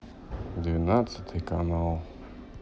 двенадцатый канал